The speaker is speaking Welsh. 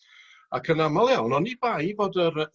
Ac yn amal iawn oni bai fod yr yy